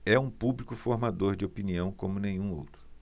é um público formador de opinião como nenhum outro